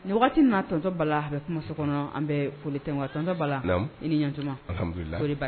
Waati n tɔntɔntɔ bala bɛ kuma so kɔnɔ an bɛ foli tɛ tɔntɔ bala i nitoma